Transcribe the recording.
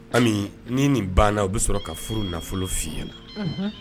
Ami, ni nin banna o bɛ sɔrɔ ka furu nafolo f'i ɲɛna. Unhun.